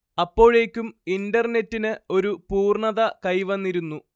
അപ്പോഴേക്കും ഇന്റർനെറ്റിന് ഒരു പൂർണ്ണത കൈവന്നിരുന്നു